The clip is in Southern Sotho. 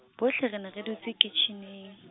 bohle re ne re dutse kitjhineng.